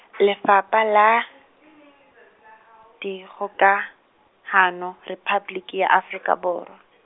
Lefapha la, Dikgokahano Rephapoliki ya Afrika Borwa .